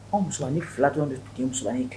An musomanni 2 dɔrɔn bɛ